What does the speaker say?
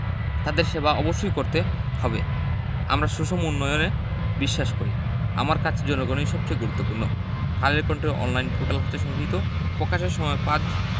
তাদের সেবা অবশ্যই করতে হবে আমরা সুষম উন্নয়নে বিশ্বাস করি আমার কাছে জনগণই সবচেয়ে গুরুত্বপূর্ণ কালের কন্ঠের অনলাইন পোর্টাল হতে সংগৃহীত প্রকাশের সময় ৫